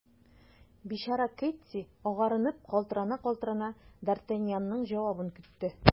Бичара Кэтти, агарынып, калтырана-калтырана, д’Артаньянның җавабын көтте.